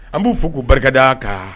An b'u fɔ, k'u barika da, ka